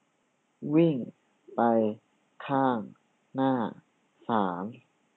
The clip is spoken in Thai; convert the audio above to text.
วิ่งไปข้างหน้าสาม